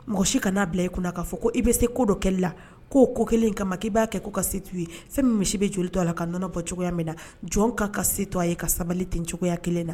Mɔgɔ si kan'a bila i kuna k'a fɔ ko i bɛ se ko dɔ kɛli la ko o ko kelen kama k'i b'a kɛ ko ka setu ye se fɛn min misi bɛ joli to a la ka nɔnɔ bɔ cogoya min na jɔn ka kan ka se to a ye ka sabali ten cogoyaya kelen na!